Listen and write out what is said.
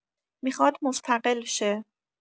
میخواد مستقل شه.